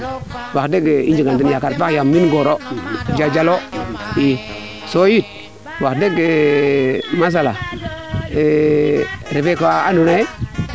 wax deg i jnjega na ten yaakar yaam mbir ngoor o jajaloo i soo yit waxdeg machala refe xa ando naye